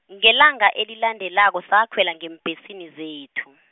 ngelanga elilandelako sakhwela ngeembhesini zethu.